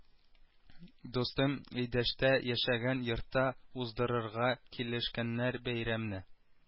Дустым өйдәштә яшәгән йортта уздырырга килешкәннәр бәйрәмне